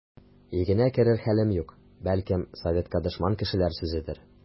Йөгенә керер хәлем юк, бәлкем, советка дошман кешеләр сүзедер.